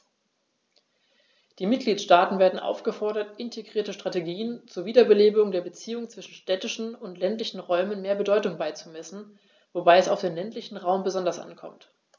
Die Mitgliedstaaten werden aufgefordert, integrierten Strategien zur Wiederbelebung der Beziehungen zwischen städtischen und ländlichen Räumen mehr Bedeutung beizumessen, wobei es auf den ländlichen Raum besonders ankommt.